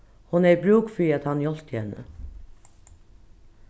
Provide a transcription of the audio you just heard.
hon hevði brúk fyri at hann hjálpti henni